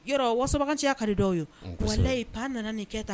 G wasogan cɛya ka di dɔw ye walayi pan nana nin kɛta